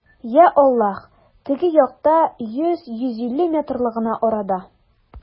Йа Аллаһ, теге якта, йөз, йөз илле метрлы гына арада!